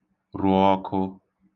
rụ̄ ọ̄kụ̄